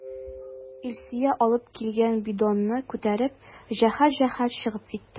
Илсөя алып килгән бидонны күтәреп, җәһәт-җәһәт чыгып китте.